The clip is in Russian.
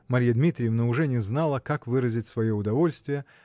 Марья Дмитриевна уже не знала, как выразить свое удовольствие